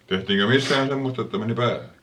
tehtiinkö missään semmoista että meni päähän